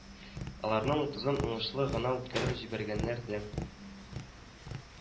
Аларның утызын уңышлы гына үткәреп җибәргәннәр дә